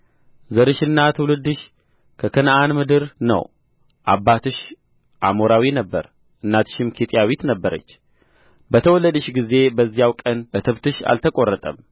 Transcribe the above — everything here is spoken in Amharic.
ዘርሽና ትውልድሽ ከከነዓን ምድር ነው አባትሽ አሞራዊ ነበረ እናትሽም ኬጢያዊት ነበረች በተወለድሽ ጊዜ በዚያው ቀን እትብትሽ አልተቈረጠም